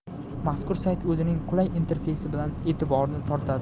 mazkur sayt o'zining qulay interfeysi bilan e'tiborni tortadi